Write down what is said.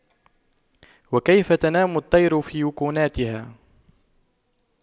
وكيف تنام الطير في وكناتها